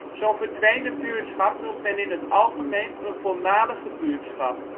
Zo 'n verdwenen buurtschap noemt men in het algemeen een voormalige buurtschap